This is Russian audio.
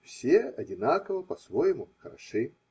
Все одинаково по-своему хороши.